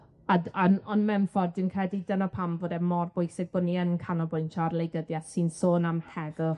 a d- a n- on' mewn ffordd, dwi'n credu dyna pam fod e mor bwysig bo' ni yn canolbwyntio ar wleidyddieth sy'n sôn am heddwch